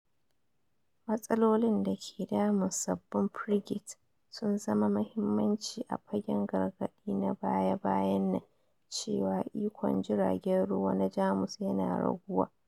Matsalolin da ke damun sabbin frigates sun zama mahimmanci a fagen gargadi na baya-bayan nan cewa ikon jiragen ruwa na Jamus yana raguwa.